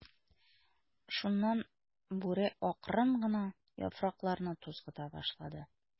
Шуннан Бүре акрын гына яфракларны тузгыта башлады.